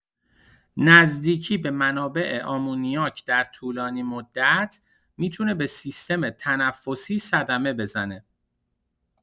نزدیکی به منابع آمونیاک در طولانی‌مدت می‌تونه به سیستم تنفسی صدمه بزنه.